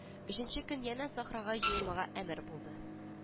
Өченче көн янә сахрага җыелмага әмер булды